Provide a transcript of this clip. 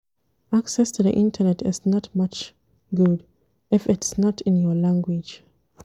Access to the Internet is not much good if it's not in your language!